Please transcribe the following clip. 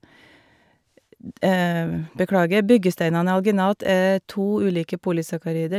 d Beklager, byggesteinene i alginat er to ulike polysakkarider.